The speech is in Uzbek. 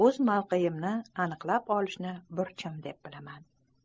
o'z mavqeimni aniqlab olishni burchim deb bilaman